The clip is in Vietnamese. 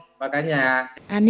và cả nhà